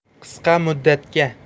qisqa muddatga